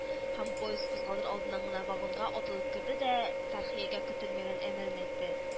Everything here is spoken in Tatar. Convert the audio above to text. Һәм поезд кузгалыр алдыннан гына вагонга атылып керде дә, Фәрхиягә көтелмәгән әмерен әйтте: